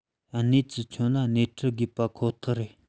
གནས ཀྱིས ཁྱོན ལ སྣེ ཁྲིད དགོས པ ཁོ ཐག རེད